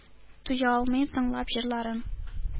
Туя алмыйм тыңлап җырларын,